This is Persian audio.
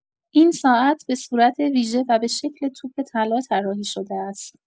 این ساعت به صورت ویژه و به شکل توپ طلا طراحی‌شده است.